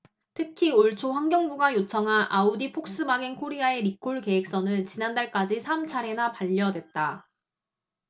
특히 올초 환경부가 요청한 아우디폭스바겐코리아의 리콜 계획서는 지난달까지 삼 차례나 반려됐다